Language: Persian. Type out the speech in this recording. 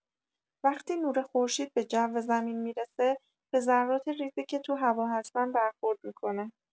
وقتی نور خورشید به جو زمین می‌رسه، به ذرات ریزی که تو هوا هستن برخورد می‌کنه.